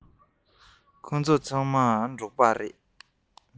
ཁྱེད ཚོ ཚང མ འབྲོག པ རེད